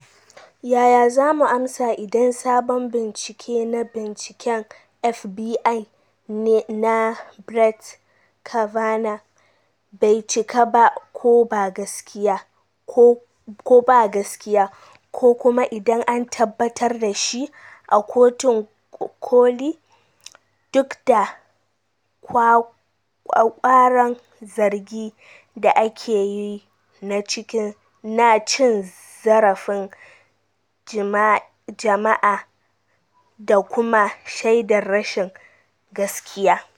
"Yaya za mu amsa idan sabon bincike na binciken F.B.I. na Brett Kavanaugh bai cika ba ko ba gaskiya - ko kuma idan an tabbatar da shi a Kotun Koli duk da kwakwaran zargin da ake yi na cin zarafin jima’i da kuma shaidar rashin gaskiya?